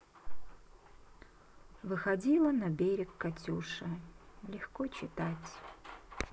выходила на берег катюша легко читать